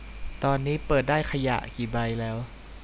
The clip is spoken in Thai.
ตอนนี้เปิดได้ขยะกี่ใบแล้ว